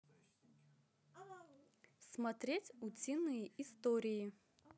смотреть утиные истории